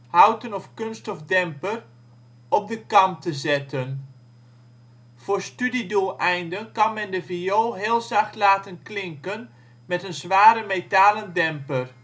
houten of kunststof demper) op de kam te zetten. Voor studiedoeleinden kan men de viool heel zacht laten klinken met een zware metalen demper